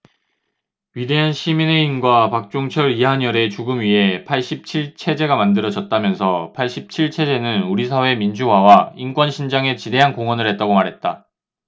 위대한 시민의 힘과 박종철 이한열의 죽음 위에 팔십 칠 체제가 만들어졌다면서 팔십 칠 체제는 우리 사회 민주화와 인권신장에 지대한 공헌을 했다고 말했다